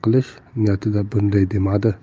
qilish niyatida bunday demadi